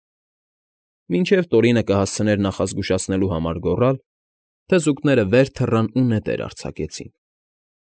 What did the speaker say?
Մինչև Տորինը կհասցներ նախազգուշացնելու համար գոռալ, թզուկները վեր թռան ու նետեր արձակեցին։